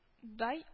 Дай